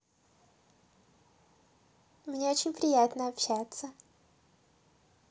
мне очень приятно общаться